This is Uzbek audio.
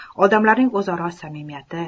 odamlarning o'zaro samimiyati